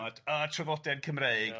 ond yy traddodiad Cymreig